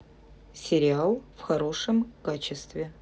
сериал в хорошем качестве